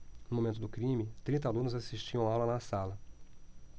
no momento do crime trinta alunos assistiam aula na sala